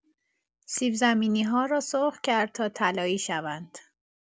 سیب‌زمینی‌ها را سرخ کرد تا طلایی شوند.